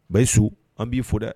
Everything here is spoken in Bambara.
Bayusu an b'i fɔ dɛ